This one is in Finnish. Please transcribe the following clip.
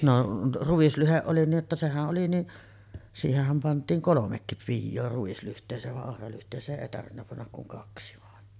no ruislyhde oli niin että sehän oli niin siihenhän pantiin kolmekin pioa ruislyhteeseen vaan ohralyhteeseen ei tarvinnut panna kuin kaksi vain